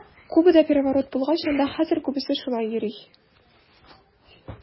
Кубада переворот булгач, анда хәзер күбесе шулай йөри.